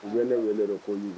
U bɛw wele dɔ koli